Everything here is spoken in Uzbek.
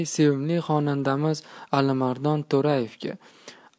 sevimli xonandamiz alimardon to'rayevga